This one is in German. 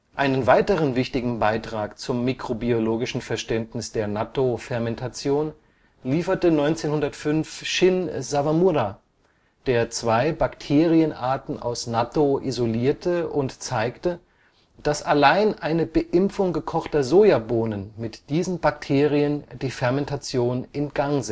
Einen weiteren wichtigen Beitrag zum mikrobiologischen Verständnis der Nattō-Fermentation lieferte 1905 Shin Sawamura, der zwei Bakterienarten aus Nattō isolierte und zeigte, dass allein eine Beimpfung gekochter Sojabohnen mit diesen Bakterien die Fermentation in Gang